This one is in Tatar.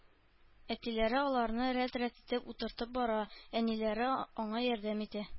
Әтиләре аларны рәт-рәт итеп утыртып бара, әниләре аңа ярдәм итә